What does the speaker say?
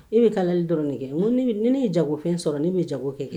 I bɛ kalali dɔrɔn nin kɛ ni ne ye jagofɛn sɔrɔ ne bɛ jago kɛ